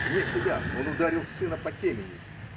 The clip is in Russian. Вне себя, он ударил сына по темени.